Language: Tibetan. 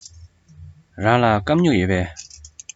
རང ལ སྐམ སྨྱུག ཡོད པས